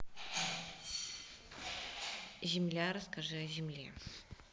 земля расскажи о земле